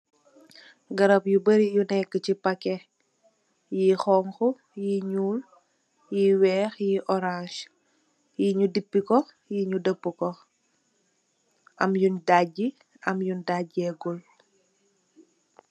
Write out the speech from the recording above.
Garap yu barri yu nèkka ci paket, yi xonxu, yi ñuul, yi wèèx, yi orans, yi ñi dipi ko, yi ñi dapu ko. Am yin dajj am yin dajj wut.